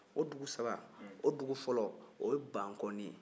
o dugu saba o dugu fɔlɔ o ye bankɔni ye